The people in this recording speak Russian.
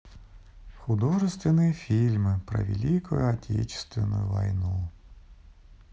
художественные фильмы про великую отечественную войну